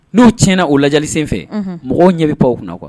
N'u tiɲɛna o lajali sen fɛ mɔgɔw ɲɛ bɛ panw kunna kuwa